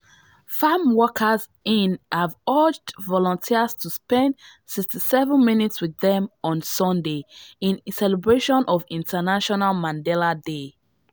Farm workers in have urged volunteers to spend 67 minutes with them on Sunday, in celebration of International Mandela Day.